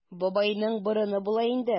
Бабайның борыны була инде.